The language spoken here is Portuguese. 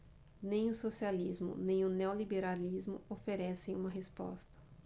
nem o socialismo nem o neoliberalismo oferecem uma resposta